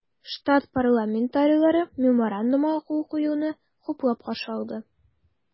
Штат парламентарийлары Меморандумга кул куелуны хуплап каршы алды.